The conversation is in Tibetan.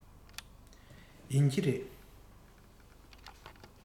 ཡིན གྱི རེད